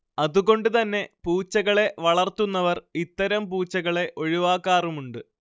അതുകൊണ്ട് തന്നെ പൂച്ചകളെ വളർത്തുന്നവർ ഇത്തരം പൂച്ചകളെ ഒഴിവാക്കാറുമുണ്ട്